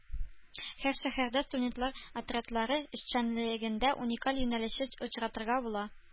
Һәр шәһәрдә студентлар отрядлары эшчәнлегендә уникаль юнәлешне очратырга була